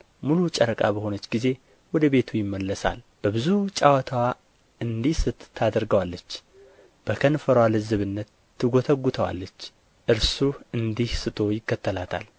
ሙሉ ጨረቃ በሆነች ጊዜ ወደ ቤቱ ይመለሳል በብዙ ጨዋታዋ እንዲስት ታደርገዋለች በከንፈርዋ ልዝብነት ትጐትተዋለች እርሱ እንዲህ ስቶ ይከተላታል